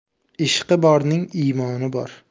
ishqi borning imoni bor